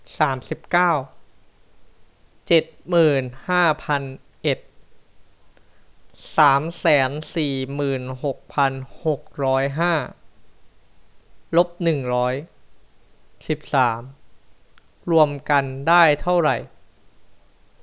สามสิบเก้าเจ็ดหมื่นห้าพันเอ็ดสามแสนสี่หมื่นหกพันหกร้อยห้าลบร้อยสิบสามรวมกันได้เท่าไหร่